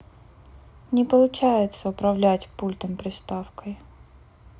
не получается управлять пультом приставкой